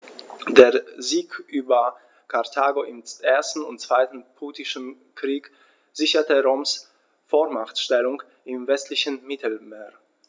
Der Sieg über Karthago im 1. und 2. Punischen Krieg sicherte Roms Vormachtstellung im westlichen Mittelmeer.